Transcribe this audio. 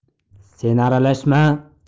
sen aralashma